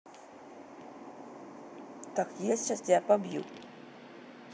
так я сейчас тебя побью